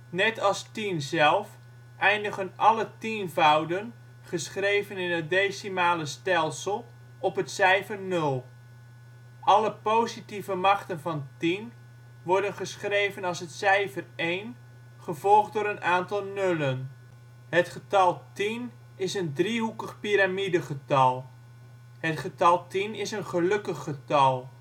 Net als tien zelf, eindigen alle tienvouden geschreven in het decimale stelsel op het cijfer nul. Alle positieve machten van tien worden geschreven als het cijfer 1 gevolgd door een aantal nullen. Het getal 10 is een driehoekig piramidegetal. Het getal 10 is een gelukkig getal